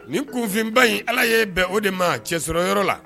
Nin kunfinba in ala' bɛn o de ma cɛsɔrɔ yɔrɔ la